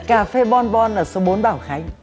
cà phê bon bon ở số bốn bảo khánh